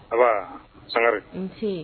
A sangari nfin